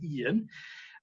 ...un